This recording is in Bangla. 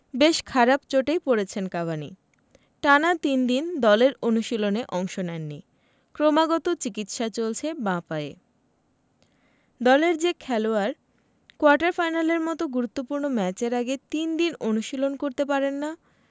বেশ খারাপ চোটেই পড়েছেন কাভানি টানা তিন দিন দলের অনুশীলনে অংশ নেননি ক্রমাগত চিকিৎসা চলছে বাঁ পায়ে দলের যে খেলোয়াড় কোয়ার্টার ফাইনালের মতো গুরুত্বপূর্ণ ম্যাচের আগে তিন দিন অনুশীলন করতে পারেন না